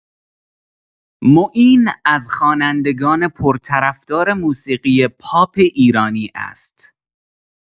معین از خوانندگان پرطرفدار موسیقی پاپ ایرانی است.